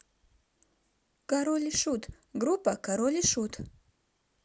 король и шут группа король и шут